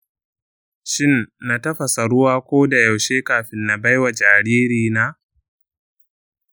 shin na tafasa ruwa ko da yaushe kafin na bai wa jariri na?